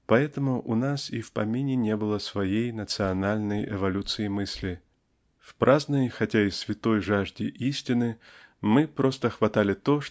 поэтому у нас и в помине не было своей, национальной эволюции мысли в праздной хотя и святой жажде истины мы просто хватали то